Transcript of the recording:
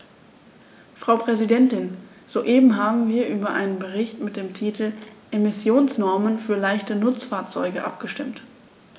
Frau Präsidentin, soeben haben wir über einen Bericht mit dem Titel "Emissionsnormen für leichte Nutzfahrzeuge" abgestimmt.